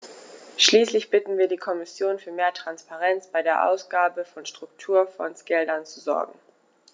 Schließlich bitten wir die Kommission, für mehr Transparenz bei der Ausgabe von Strukturfondsgeldern zu sorgen.